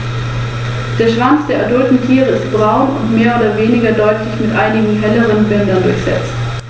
Weniger häufig ist die Jagd im freien Luftraum; die Erbeutung von ziehenden Kormoranen ist jedoch zum Beispiel schon mehrfach beobachtet worden.